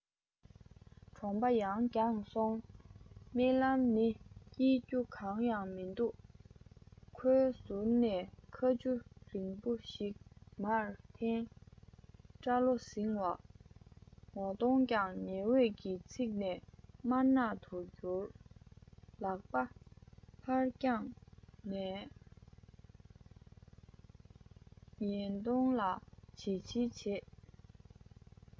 གྲོད པ ཡང འགྲངས སོང རྨི ལམ ནི སྐྱིད རྒྱུ གང ཡང མི འདུག ཁའི ཟུར ནས ཁ ཆུ རིང པོ ཞིག མར འཐེན སྐྲ ལོ ཟིང བ ངོ གདོང ཀྱང ཉི འོད ཀྱིས ཚིག ནས དམར ནག ཏུ གྱུར ལག པ ཕར བརྐྱངས ནས ཉལ གདོང ལ བྱིལ བྱིལ བྱེད